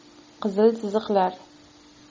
qizil chiziqlar